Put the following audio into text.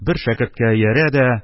Бер шәкерткә иярә дә